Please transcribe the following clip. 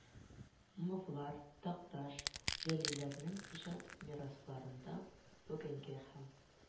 Мовлар, такташ, җәлилләрнең иҗат мирасларында бүгенге һәм